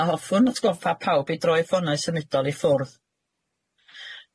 A hoffwn atgoffa pawb i droi ffonau symudol i ffwrdd.